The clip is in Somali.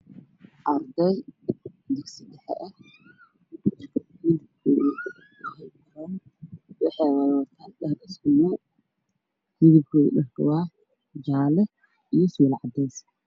Arday dugsi dhexe eh midabkooda dharkooda waa jaale iyo cadees